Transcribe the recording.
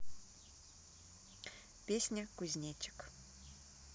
песня кузнечик